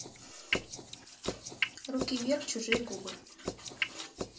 руки вверх чужие губы